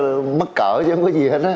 mắc cỡ chứ hông có gì hết á